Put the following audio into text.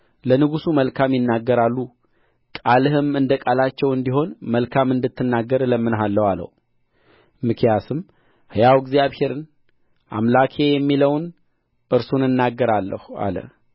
ለንጉሡ መልካም ይናገራሉ ቃልህም እንደ ቃላቸው እንዲሆን መልካም እንድትናገር እለምንሃለሁ አለው ሚክያስም ሕያው እግዚአብሔርን አምላኬ የሚለውን እርሱን እናገራለሁ አለ